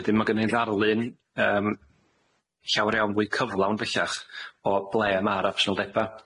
Wedyn ma' gynnon ni ddarlun yym llawer iawn fwy cyflawn bellach o ble ma'r absondeba.